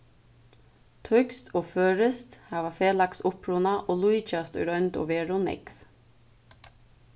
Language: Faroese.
týskt og føroyskt hava felags uppruna og líkjast í roynd og veru nógv